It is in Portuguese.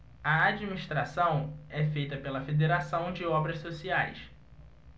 a administração é feita pela fos federação de obras sociais